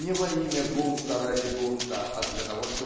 Не во имя бунта ради бунта а для того